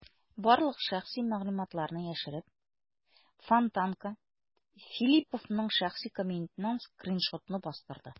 Барлык шәхси мәгълүматларны яшереп, "Фонтанка" Филипповның шәхси кабинетыннан скриншотны бастырды.